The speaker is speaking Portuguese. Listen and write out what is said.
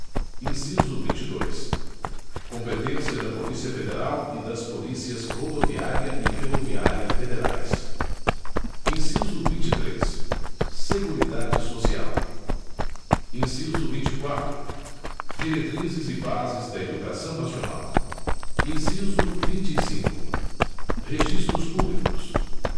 inciso vinte e dois competência da polícia federal e das polícias rodoviária e ferroviária federais inciso vinte e três seguridade social inciso vinte e quatro diretrizes e bases da educação nacional inciso vinte e cinco registros públicos